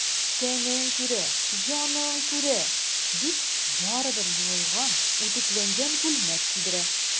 Тәнең күрә, җаның күрә,— дип, барыбер юылган, үтүкләнгән күлмәк кидерә.